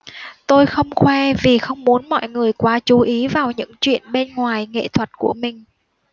tôi không khoe vì không muốn mọi người quá chú ý vào những chuyện bên ngoài nghệ thuật của mình